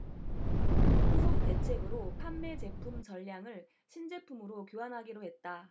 후속 대책으로 판매 제품 전량을 신제품으로 교환하기로 했다